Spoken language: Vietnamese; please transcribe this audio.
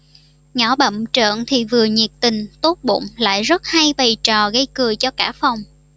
nhỏ bặm trợn thì vừa nhiệt tình tốt bụng lại rất hay bày trò gây cười cho cả phòng